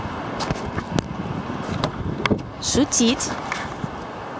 шутить